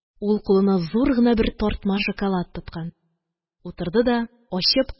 Ул кулына зур гына бер тартма шоколад тоткан, утырды да, ачып